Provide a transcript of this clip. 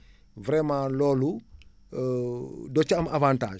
vraiment loolu doo ci am avantage